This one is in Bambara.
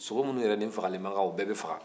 sogo minnu yɛrɛ ni fagali makan o bɛɛ bɛ faga